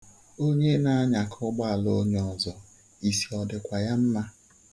Onye na-anyaka ụgbọala onye ọzọ, isi ọ dikwa ya mma.